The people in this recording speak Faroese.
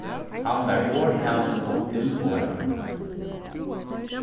hann var orðhavin og illorðaður